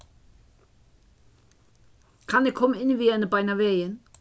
kann eg koma inn við henni beinanvegin